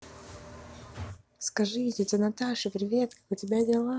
скажи тетя наташа привет как у тебя дела